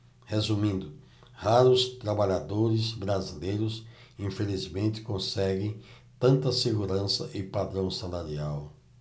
resumindo raros trabalhadores brasileiros infelizmente conseguem tanta segurança e padrão salarial